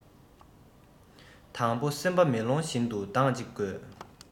དང པོ སེམས པ མེ ལོང བཞིན དུ དྭངས གཅིག དགོས